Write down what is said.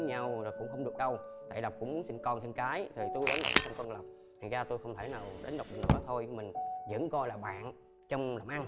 nhau là cũng không được đâu tại lộc cũng muốn sinh con sinh cái rồi tui đến lộc cũng không sinh con lộc thành ra không không thể nào đến lộc được nữa thôi mình vẫn coi là bạn trong làm ăn